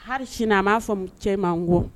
Hali a b'a fɔ cɛman n kɔ